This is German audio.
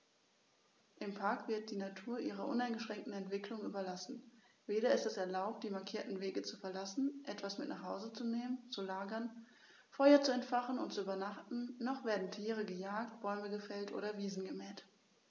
Im Park wird die Natur ihrer uneingeschränkten Entwicklung überlassen; weder ist es erlaubt, die markierten Wege zu verlassen, etwas mit nach Hause zu nehmen, zu lagern, Feuer zu entfachen und zu übernachten, noch werden Tiere gejagt, Bäume gefällt oder Wiesen gemäht.